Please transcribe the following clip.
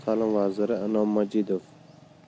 ta'lim vaziri inom majidov